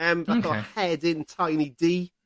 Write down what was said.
yym... Oce. ...fath o hedyn tiny du.